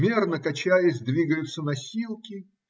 Мерно качаясь, двигаются носилки.